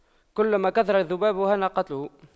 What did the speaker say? كلما كثر الذباب هان قتله